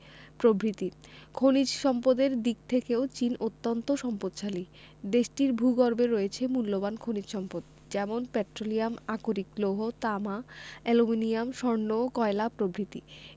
প্রভ্রিতি খনিজ সম্পদের দিক থেকেও চীন অত্যান্ত সম্পদশালী দেশটির ভূগর্ভে রয়েছে মুল্যবান খনিজ সম্পদ যেমন পেট্রোলিয়াম আকরিক লৌহ তামা অ্যালুমিনিয়াম স্বর্ণ কয়লা প্রভৃতি